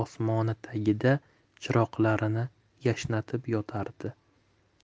osmoni tagida chiroqlarini yashnatib yotardi